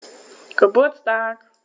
Geburtstag